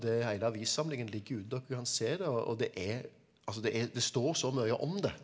det hele avissamlingen ligger ute og dere kan se det og og det er altså det er det står så mye om det.